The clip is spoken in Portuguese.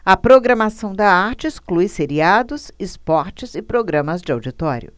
a programação da arte exclui seriados esportes e programas de auditório